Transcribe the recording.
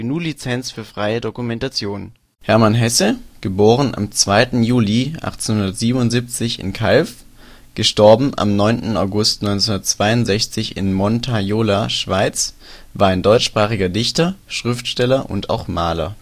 GNU Lizenz für freie Dokumentation. Hermann Hesse (* 2. Juli 1877 in Calw; † 9. August 1962 in Montagnola, Schweiz) war ein deutschsprachiger Dichter, Schriftsteller und auch Maler